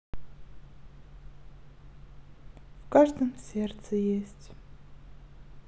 в каждом сердце есть